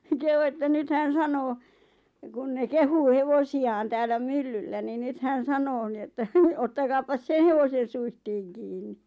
kehui että nyt hän sanoo kun ne kehuu hevosiaan täällä myllyllä niin nyt hän sanoo niin että ottakaapas sen hevosen suitsiin kiinni